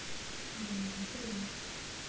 Болары була.